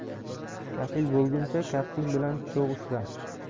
kafil bo'lguncha kafting bilan cho'g' ushla